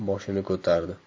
boshini ko'tardi